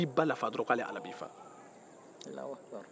i ba lafa dɔrɔn ale ala b'i fa